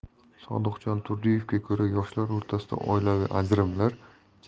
sodiqjon turdiyevga ko'ra yoshlar o'rtasidagi oilaviy